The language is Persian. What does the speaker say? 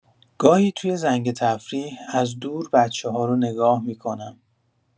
گاهی توی زنگ تفریح، از دور بچه‌ها رو نگاه می‌کنم.